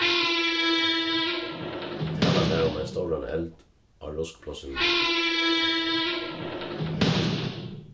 talan var um ein stóran eld á ruskplássinum